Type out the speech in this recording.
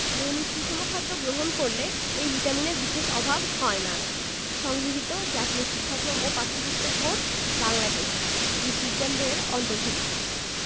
দৈনিক সুষম খাদ্য গ্রহণ করলে এই ভিটামিনের বিশেষ অভাব হয় না সংগৃহীত জাতীয় শিক্ষাক্রম ও পাঠ্যপুস্তক বোর্ড বাংলাদেশ জীব বিজ্ঞান বই এর অন্তর্ভুক্ত